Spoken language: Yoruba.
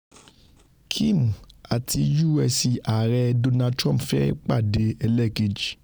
Kim àti U.S. Ààrẹ Donald Trump fẹ́ ìpàdé ẹlẹ́ẹ̀kejì.